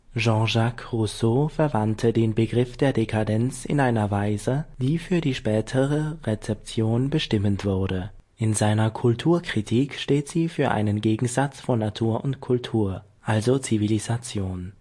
Jean-Jacques Rousseau verwandte den Begriff der Dekadenz in einer Weise, die für die spätere Rezeption bestimmend wurde. In seiner Kulturkritik steht sie für einen Gegensatz von Natur und Kultur (Zivilisation